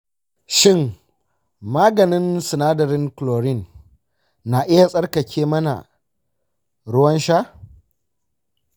shin maganin sinadarin chlorine na iya tsarkake mana ruwan sha?